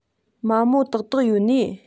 མ མོ དག དག ཡོན ནིས